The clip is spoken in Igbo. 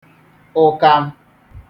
ụkam